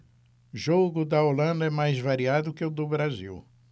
jogo da holanda é mais variado que o do brasil